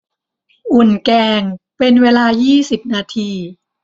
อุ่นแกงเป็นเวลายี่สิบนาที